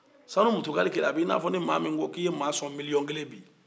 sanu mutukale kɛmɛ b'i n'a fɔ mɔgɔ min k'i ye mɔgɔ sɔn miliyɔn kelen bi